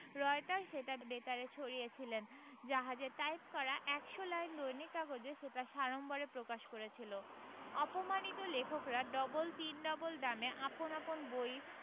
Reuter সেটা বেতারে ছড়িয়েছিলেন জাহাজের টাইপ করা এক শ লাইন দৈনিক কাগজে সেটা সাড়ম্বরে প্রকাশ করেছিল অপমানিত লেখকরা ডবল তিন ডবল দামে আপন আপন বই